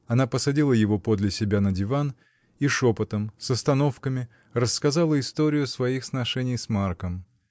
Она посадила его подле себя на диван и шепотом, с остановками, рассказала историю своих сношений с Марком.